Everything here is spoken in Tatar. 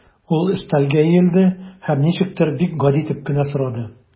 Ул өстәлгә иелде һәм ничектер бик гади итеп кенә сорады.